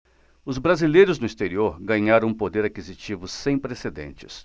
os brasileiros no exterior ganharam um poder aquisitivo sem precedentes